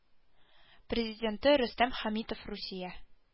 Президенты Рөстәм Хәмитов Русия